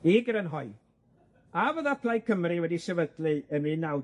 I grynhoi, a fydda Plaid Cymru wedi'i sefydlu yn un naw